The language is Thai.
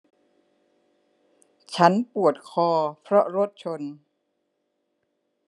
ฉันปวดคอเพราะรถชน